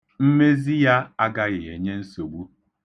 Mmezi ya agaghị enye nsogbu.